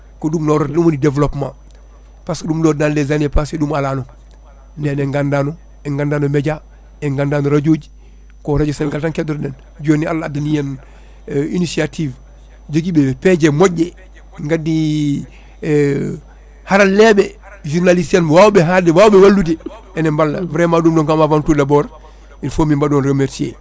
ko ɗum nawrata ko ɗum woni développement par ce que ɗum ɗo dal des passé ɗum alano nden en gandano en gandano média en gandano radio ji ko radio Sénégal tan keɗotoɗen joni Allah addani en e